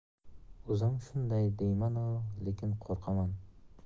o'zim shunday deymanu lekin qo'rqaman